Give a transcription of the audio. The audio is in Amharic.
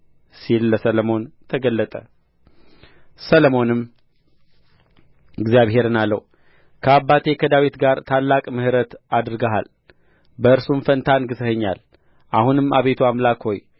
ሲል ለሰሎሞን ተገለጠ ሰሎሞንም እግዚአብሔርን አለው ከአባቴ ከዳዊት ጋር ታላቅ ምሕረት አድርገሃል በእርሱም ፋንታ አንግሠኸኛል አሁንም አቤቱ አምላክ ሆይ